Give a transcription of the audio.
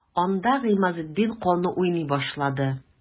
Анда Гыймазетдин каны уйный башлады.